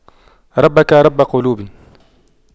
ربك رب قلوب